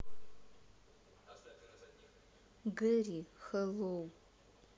гэри хеллой